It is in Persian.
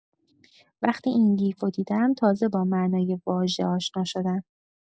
وقتی این گیف رو دیدم تازه با معنای واژه آشنا شدم.